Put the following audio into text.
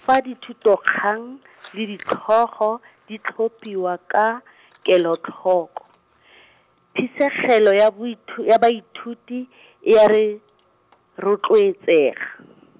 fa dithitokgang, le ditlhogo , di tlhophiwa ka , kelotlhoko , phisegelo ya boithu- ya baithuti , e a re , rotloetsega.